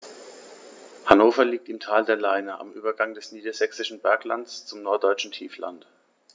Hannover liegt im Tal der Leine am Übergang des Niedersächsischen Berglands zum Norddeutschen Tiefland.